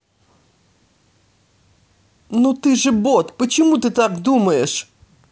ну ты же бот почему ты так думаешь